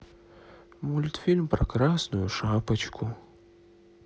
мультфильм про красную шапочку